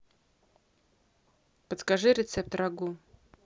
подскажи рецепт рагу